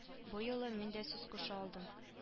Бу юлы мин дә сүз куша алдым